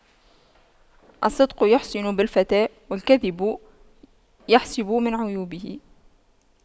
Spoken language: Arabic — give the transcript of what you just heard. الصدق يحسن بالفتى والكذب يحسب من عيوبه